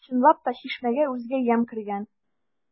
Чынлап та, чишмәгә үзгә ямь кергән.